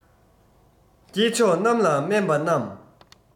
སྐྱེས མཆོག རྣམས ལ དམན པ རྣམས